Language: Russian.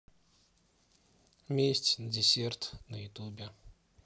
месть на десерт на ютубе